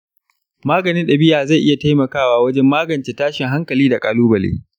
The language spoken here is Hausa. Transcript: maganin ɗabi'a zai iya taimakawa wajen magance tashin hankali da ƙalubale.